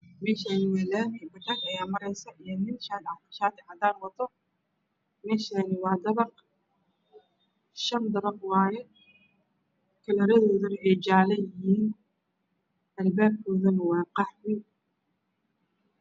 Meeshan waa laami bajaaj ayaa marayso iyo nin shati cadan ah wato meeshani waa dabaq shan dabaq waye kalaradoodana ay jaale yihiin albaabkodana waa qaxwi